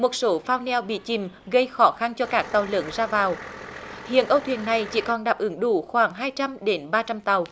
một số phao neo bị chìm gây khó khăn cho các tàu lớn ra vào hiện âu thuyền này chỉ còn đáp ứng đủ khoảng hai trăm đến ba trăm tàu